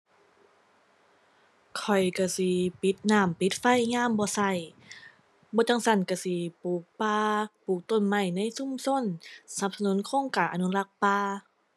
ข้อยก็สิปิดน้ำปิดไฟยามบ่ก็ บ่จั่งซั้นก็สิปลูกป่า ปลูกต้นไม้ในชุมชน สนับสนุนโครงการอนุรักษ์ป่า